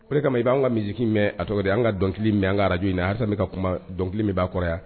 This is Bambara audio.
O de kama i b'an ka musique mɛn a tɔgɔ de an ka dɔnkili mɛn, an ka radio in na Asani bɛ ka kuma dɔnkili b'a kɔrɔ yan